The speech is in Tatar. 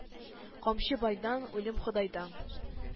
КАМЧЫ БАЙДАН, ҮЛЕМ ХОДАЙДАН